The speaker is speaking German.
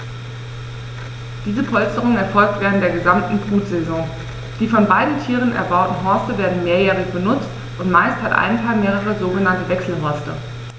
Diese Polsterung erfolgt während der gesamten Brutsaison. Die von beiden Tieren erbauten Horste werden mehrjährig benutzt, und meist hat ein Paar mehrere sogenannte Wechselhorste.